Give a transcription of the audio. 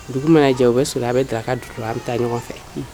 Dugu mana jɛ u bɛ soli a' bɛ daraka dun a' bɛ taa ɲɔgɔn fɛ